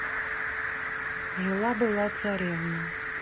жила была царевна